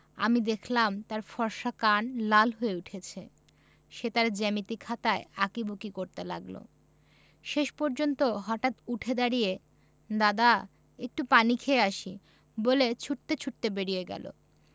আমি দেখলাম তার ফর্সা কান লাল হয়ে উঠেছে সে তার জ্যামিতি খাতায় আঁকি ঝুকি করতে লাগলো শেষ পর্যন্ত হঠাৎ উঠে দাড়িয়ে দাদা একটু পানি খেয়ে আসি বলে ছুটতে ছুটতে বেরিয়ে গেল